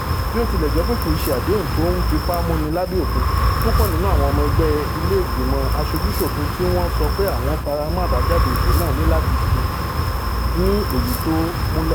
Bó tilẹ̀ jé pé kìí ṣe àdéhùn tó ń fipá múni lábẹ̀ òfin, púpọ̀ nínú àwọn ọmọ ẹgbẹ́ ilé ìgbìmọ aṣojú-ṣòfin ti sọ pé àwọn faramọ̀ àbájáde ìbò náà láti ṣeé ní èyití tó múlẹ̀.